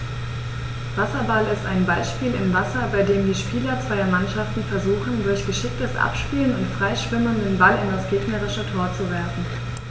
Wasserball ist ein Ballspiel im Wasser, bei dem die Spieler zweier Mannschaften versuchen, durch geschicktes Abspielen und Freischwimmen den Ball in das gegnerische Tor zu werfen.